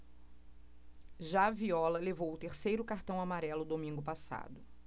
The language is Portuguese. já viola levou o terceiro cartão amarelo domingo passado